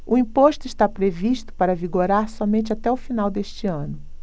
o imposto está previsto para vigorar somente até o final deste ano